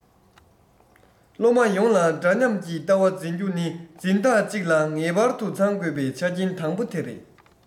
སློབ མ ཡོངས ལ འདྲ མཉམ གྱི ལྟ བ འཛིན རྒྱུ ནི འཛིན བདག ཅིག ལ ངེས པར དུ ཚང དགོས པའི ཆ རྐྱེན དང པོ དེ རེད